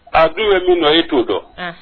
A dun bɛ min nɔ i to dɔn